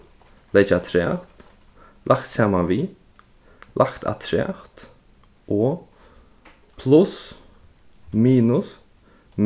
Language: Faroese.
leggja afturat lagt saman við lagt afturat og pluss minus